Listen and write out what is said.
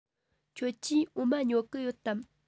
ཁྱོད ཀྱིས འོ མ ཉོ གི ཡོད དམ